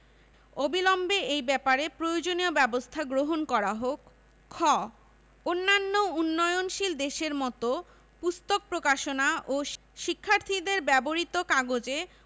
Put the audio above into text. অবিলম্বে এই ব্যাপারে প্রয়োজনীয় ব্যাবস্থা গ্রহণ করা হোক খ অন্যান্য উন্নয়নশীল দেশের মত পুস্তক প্রকাশনা ও শিক্ষার্থীদের ব্যবহৃত কাগজে